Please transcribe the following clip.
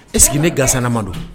E sigi ne gasanna ma don